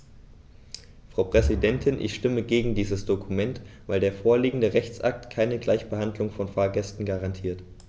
Frau Präsidentin, ich stimme gegen dieses Dokument, weil der vorliegende Rechtsakt keine Gleichbehandlung von Fahrgästen garantiert.